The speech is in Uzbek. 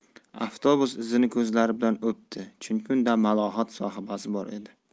avtobus izini ko'zlari bilan o'pdi chunki unda malohat sohibasi bor edi